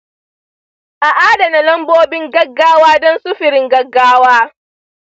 a adana lambobin gaggawa don sufurin gaggawa.